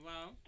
waaw